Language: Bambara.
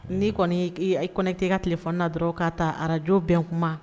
N'i kɔni i kɔni tɛ i ka tile-na dɔrɔn k'a taa arajo bɛn kuma